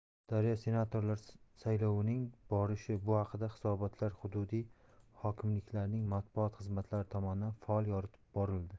daryo senatorlar saylovining borishi bu haqida hisobotlar hududiy hokimliklarning matbuot xizmatlari tomonidan faol yoritib borildi